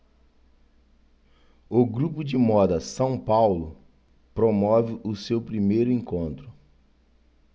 o grupo de moda são paulo promove o seu primeiro encontro